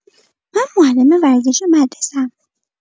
من معلم ورزش مدرسه‌ام.